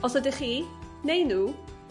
Os ydych chi neu nhw